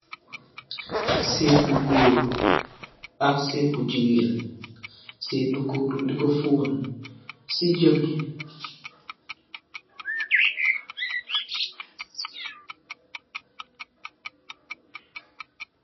Saiit bu Goor ak saiit bu jigeen saiit bu goor bi diko foon si jeh bi.